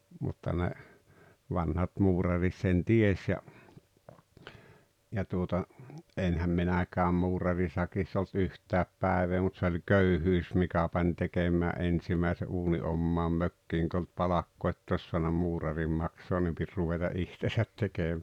mutta ne vanhat muurarit sen tiesi ja ja tuota enhän minäkään muurarisakissa - ollut yhtään päivää mutta se oli köyhyys mikä pani tekemään ensimmäisen uunin omaan mökkiin kun ei ollut palkkaa että olisi saanut muurarin maksaa niin piti ruveta itse tekemään